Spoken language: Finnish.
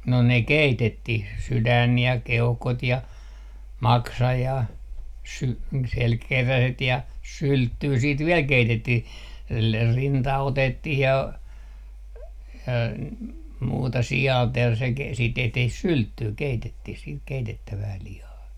no ne keitettiin sydän ja keuhkot ja maksa ja - selkäkeräset ja sylttyä sitten vielä keitettiin - rinta otettiin ja ja muuta sialta ja se - siitä tehtiin sylttyä keitettiin sitten keitettävää lihaa